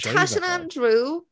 Tash and Andrew?